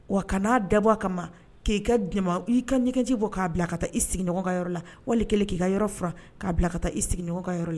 Wa kana'a dabɔ a kama ma k'i ka di ma i ka ɲɛgɛnji bɔ k'a bila ka taa i sigiɔgɔ yɔrɔ la wali kɛlen k'i ka yɔrɔ faga k'a bila ka taa i sigiɲɔgɔnɔgɔ yɔrɔ la